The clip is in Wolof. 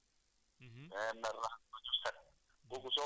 ndaa yi bidon yi dañ leen nar a raxas